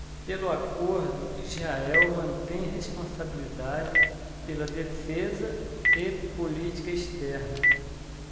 pelo acordo israel mantém responsabilidade pela defesa e política externa